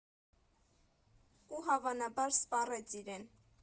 Ու հավանաբար, սպառեց իրեն։